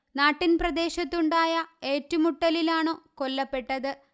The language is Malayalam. നാട്ടിന്പ്രദേശത്തുണ്ടായ ഏറ്റുമുട്ടലിലാണു കൊല്ലപ്പെട്ടത്